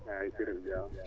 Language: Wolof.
Chérif Diao